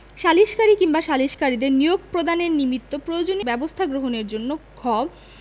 সালিসকারী কিংবা সালিসকারীদের নিয়োগ প্রদানের নিমিত্ত প্রয়োজনীয় ব্যবস্থা গ্রহণের জন্য খ